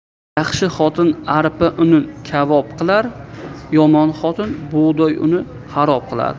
yaxshi xotin arpa unni kabob qilar yomon xotin bug'doy unni xarob qilar